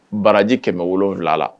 Baraji 700 la